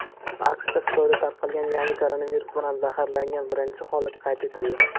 aqshda xitoyda tarqalgan yangi koronavirus bilan zararlangan birinchi holat qayd etildi